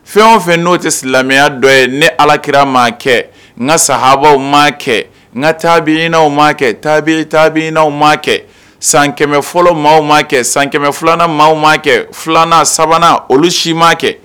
Fɛn o fɛN n'o tɛ SIlamɛya dɔ ye ne Alakira m'a kɛ n ka sahabaw m'a kɛ n tabinaw m'a kɛ tabi tabinaw m'a kɛ san kɛmɛ fɔlɔ maaw m'a kɛ san kɛmɛ filanan maaw m'a kɛ filanan sabanan olu si m'a kɛ